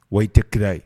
Wa i tɛ kira ye